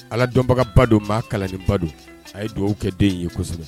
Ala dɔnbagaba don maa kalannenba don a ye dugawu kɛ den in ye kosɛbɛ